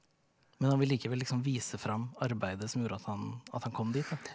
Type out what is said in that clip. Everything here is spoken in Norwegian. men han vil likevel liksom vise fram arbeidet som gjorde at han at han kom dit da.